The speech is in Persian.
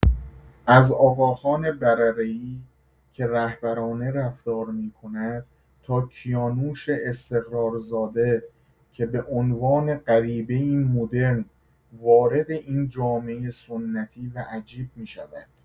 از آقاخان برره‌ای که رهبرانه رفتار می‌کند تا کیانوش استقرارزاده که به عنوان غریبه‌ای مدرن وارد این جامعه سنتی و عجیب می‌شود.